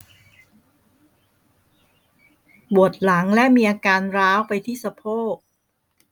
ปวดหลังและมีอาการร้าวไปที่สะโพก